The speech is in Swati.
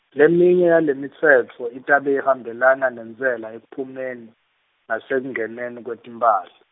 leminye yalemitsetfo itabe ihambelana nentsela ekuphumeni, nasekungeneni kwetimphahla.